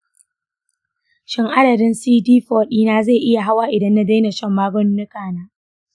shin adadin cd4 ɗina zai iya hawa idan na daina shan magungunana?